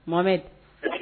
Mɔ mɛn